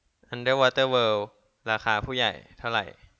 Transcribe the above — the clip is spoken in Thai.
อันเดอร์วอเตอร์เวิล์ดราคาผู้ใหญ่เท่าไหร่